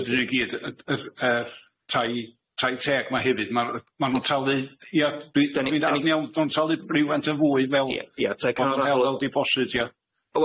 So 'dy nw gyd y yr yr tai tai teg 'ma hefyd ma'r ma' nw'n talu ia dwi dwi- dwi'n dalld yn iawn 'di nw'n talu rywfaint yn fwy fel deposit ia?